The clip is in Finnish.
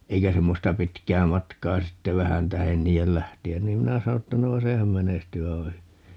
eikä semmoista pitkää matkaa sitten vähän tähden niiden lähteä niin minä sanoin että no sehän menestyy aivan hyvin